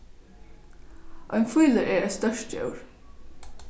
ein fílur er eitt stórt djór